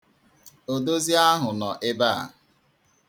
Odozi ahụ nọ ebe a.